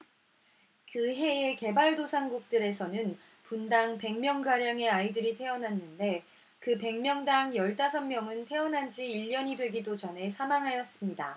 그 해에 개발도상국들에서는 분당 백 명가량의 아이들이 태어났는데 그 백 명당 열 다섯 명은 태어난 지 일 년이 되기도 전에 사망하였습니다